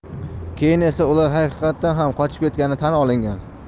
keyin esa ular haqiqatan ham qochib ketgani tan olingan